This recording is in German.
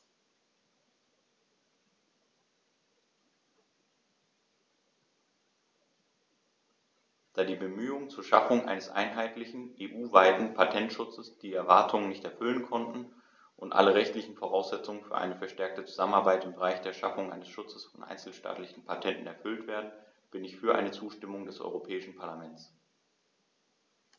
Da die Bemühungen zur Schaffung eines einheitlichen, EU-weiten Patentschutzes die Erwartungen nicht erfüllen konnten und alle rechtlichen Voraussetzungen für eine verstärkte Zusammenarbeit im Bereich der Schaffung eines Schutzes von einzelstaatlichen Patenten erfüllt werden, bin ich für eine Zustimmung des Europäischen Parlaments.